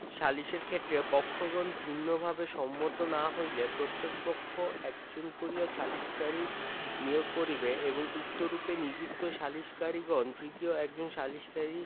সালিসের ক্ষেত্রে পক্ষগণ ভিন্নভাবে সম্মত না হইলে প্রত্যেক পক্ষ একজন করিয়া সালিসকারী নিয়োগ করিবে এবং উক্তরূপে নিযুক্ত সালিককারীগণ তৃতীয় একজন সালিসকারী